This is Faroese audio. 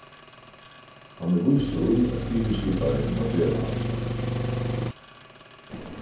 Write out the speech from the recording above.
hann er vísur í at fyriskiparin má gera hatta